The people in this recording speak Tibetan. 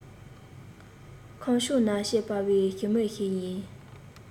ཁམས ཕྱོགས ན སྐྱེས པའི ཞི མི ཞིག ཡིན